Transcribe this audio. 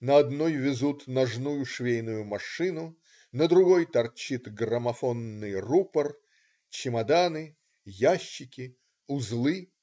На одной везут ножную швейную машину, на другой торчит граммофонный рупор, чемоданы, ящики, узлы.